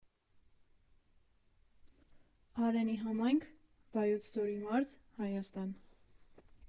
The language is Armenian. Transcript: Արենի համայնք, Վայոց ձորի մարզ, Հայաստան։